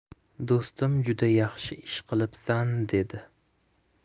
do'stim juda yaxshi ish qilibsan dedi